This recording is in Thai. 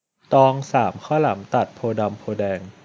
ตองสามข้าวหลามตัดโพธิ์ดำโพธิ์แดง